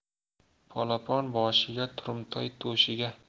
polopon boshiga turumtoy to'shiga